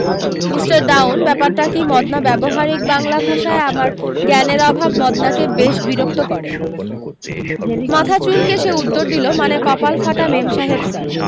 metre down ব্যাপারটা কী মদনা ব্যবহারিক বাংলা ভাষায় আমার জ্ঞানের অভাব মদনাকে বেশ বিরক্ত করে মাথা চুলকে সে উত্তর দিলো মানে কপাল ফাটা মেমসাহেব স্যার